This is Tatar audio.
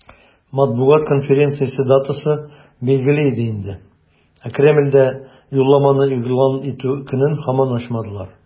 Матбугат конференциясе датасы билгеле иде инде, ә Кремльдә юлламаны игълан итү көнен һаман ачмадылар.